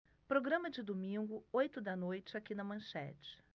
programa de domingo oito da noite aqui na manchete